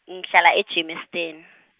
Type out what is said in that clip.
ngihlala e- Germiston.